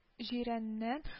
Җирәннән